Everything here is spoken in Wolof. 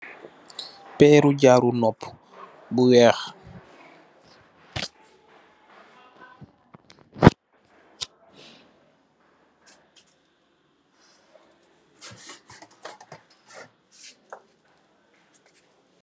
Pehrou jaarou nopu bu wekh.